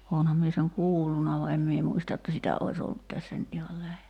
olenhan minä sen kuullut vaan en minä muista että sitä olisi ollut tässä nyt ihan lähellä